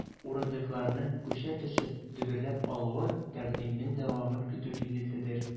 Урындыкларның, күчә төшеп, дөбердәп алуы— тәкъдимнең дәвамын көтү билгеседер.